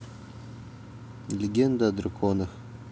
легенда о драконах